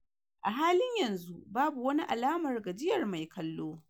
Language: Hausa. A halin yanzu, babu wani alamar gajiyar mai kallo.